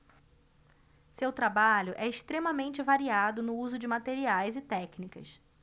seu trabalho é extremamente variado no uso de materiais e técnicas